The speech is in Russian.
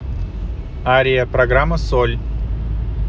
ария программа соль